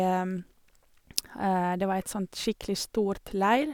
Det var et sånt skikkelig stort leir.